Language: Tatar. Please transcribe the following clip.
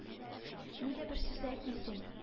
Нигә бер сүз дә әйтмисең